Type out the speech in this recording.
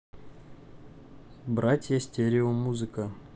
братья стерео музыка